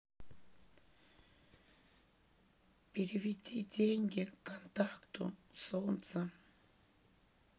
переведи деньги контакту солнце